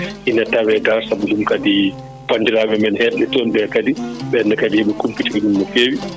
ina tawe ga saabu ɗum kadi banndiraaɓe men yetɓe toon ɓe kadi ɓenne kadi ina kuppitimin no fewi